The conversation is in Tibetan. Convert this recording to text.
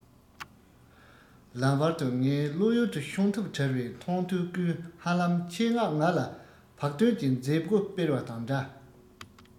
ལམ བར དུ ངའི བློ ཡུལ དུ ཤོང ཐབས བྲལ བའི མཐོང ཐོས ཀུན ཧ ལམ ཆེད མངགས ང ལ བག སྟོན གྱི མཛད སྒོ སྤེལ བ དང འདྲ